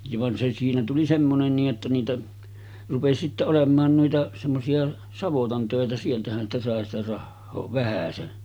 ja vaan se siinä tuli semmoinen niin että niitä rupesi sitten olemaan noita semmoisia savotan töitä sieltähän sitä sai sitä rahaa vähäsen